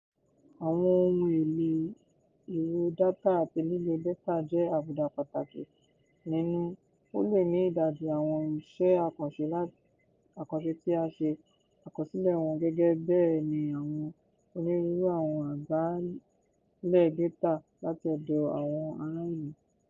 Àwọn ohun èlò ìwo dátà àti lílò dátà jẹ́ àbùdá pàtàkì nínú ó lé ní ìdajì àwọn iṣẹ́ àkànṣe tí a ṣe àkọsílẹ̀ wọn, gẹ́gẹ́ bẹ́ẹ̀ ni àwọn onírúurú àwọn àgbàálẹ̀ dátà láti ọ̀dọ̀ àwọn ará ìlú.